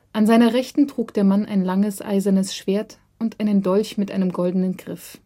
An seiner Rechten trug der Mann ein langes, eisernes Schwert und einen Dolch mit einem goldenen Griff